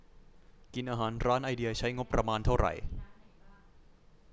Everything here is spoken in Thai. กินอาหารร้านไอเดียใช้งบประมาณเท่าไหร่